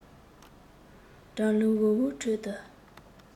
གྲང རླུང འུར འུར ཁྲོད དུ